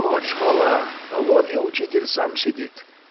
— Вот школа, вон и учитель сам сидит!